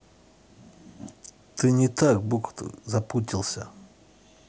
ты не так буквы запустился